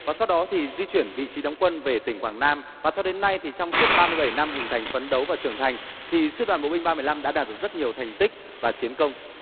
và sau đó thì di chuyển vị trí đóng quân về tỉnh quảng nam và cho đến nay thì trong suốt ba mươi bảy năm hình thành phấn đấu và trưởng thành thì sư đoàn bộ binh ba mười lăm đã đạt được rất nhiều thành tích và chiến công